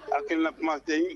A kɛlen kuma tɛ ɲi